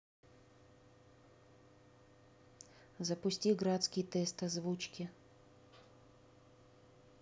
запусти грацкий тест озвучки